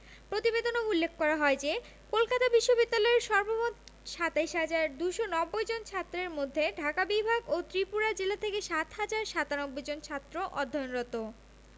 প্রতিবেদনে উল্লেখ করা হয় যে কলকাতা বিশ্ববিদ্যালয়ের সর্বমোট ২৭ হাজার ২৯০ জন ছাত্রের মধ্যে ঢাকা বিভাগ ও ত্রিপুরা জেলা থেকে ৭ হাজার ৯৭ জন ছাত্র অধ্যয়নরত